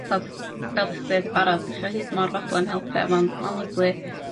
T'od fel 'dych chi deud yn barod 'dych chi o hyd mor fodlon helpu a ma'n ma'n lyfli